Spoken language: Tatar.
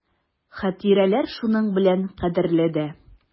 Хатирәләр шуның белән кадерле дә.